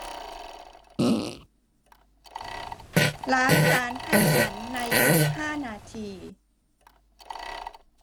ล้างจานให้ฉันในอีกห้านาที